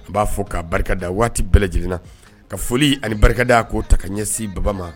N b'a fɔ kaa barikada waati bɛɛ lajɛlenna ka foli ani barikada a'o ta ka ɲɛsin baba ma